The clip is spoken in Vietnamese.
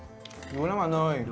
vui lắm anh ơi